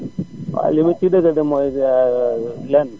waaw li ma ciy dëggal de mooy lenn